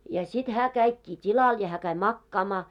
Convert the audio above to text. ja sitten hän kävikin tilalle ja hän kävi makaamaan